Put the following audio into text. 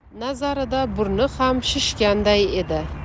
nazarida burni ham shishganday edi